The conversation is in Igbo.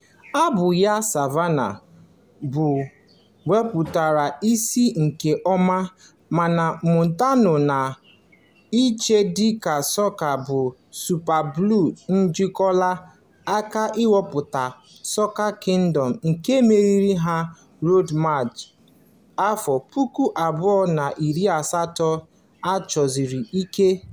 Abụ ya, "Savannah", bụ wepụtara isi nke ọma, mana Montano na ochiedike sọka bụ Superblue ejikọọla aka iwepụta "Soca Kingdom", nke meriri aha Road March 2018 a chọsiri ike.